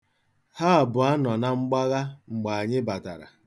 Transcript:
Ha abụọ nọ na mgbagha mgbe anyị batara.